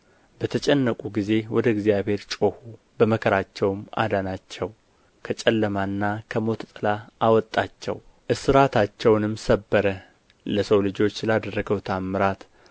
በተጨነቁ ጊዜ ወደ እግዚአብሔር ጮኹ በመከራቸውም አዳናቸው ከጨለማና ከሞት ጥላ አወጣቸው እስራታቸውንም ሰበረ ለሰው ልጆች ስላደረገው ተኣምራት